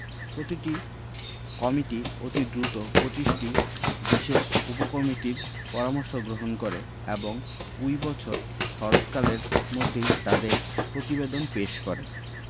committee অতি দ্রুত ২৫টি বিশেষ উপকমিটির পরামর্শ গ্রহণ করে এবং ওই বছর শরৎকালের মধ্যেই তাদের প্রতিবেদন পেশ করে